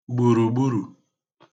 gbùrùgburu